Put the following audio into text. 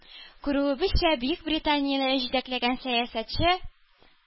Күрүебезчә, Бөекбританияне җитәкләгән сәясәтче